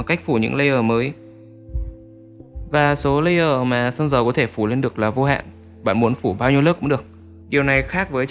bằng cách phủ những layer mới số layer mà sơn dầu có thể phủ lên được là vô hạn bạn có thể phủ bao nhiêu lớp cũng được